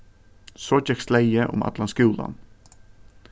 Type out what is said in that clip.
so gekk sleygið um allan skúlan